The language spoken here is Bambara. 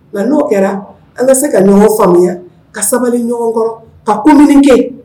Nka n'o kɛra an bɛ se ka numu faamuya ka sabali ɲɔgɔn kɔrɔ ka kun kɛ